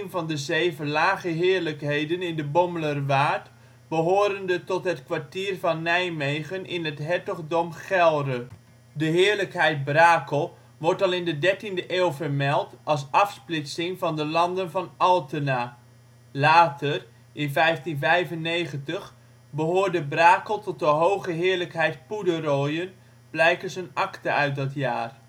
van de zeven lage heerlijkheden in de Bommelerwaard behorende tot het Kwartier van Nijmegen in het Hertogdom Gelre. De heerlijkheid Brakel wordt al in de dertiende eeuw vermeld als afsplitsing van de landen van Altena. Later, in 1595, behoorde Brakel tot de hoge heerlijkheid Poederoijen, blijkens een akte uit dat jaar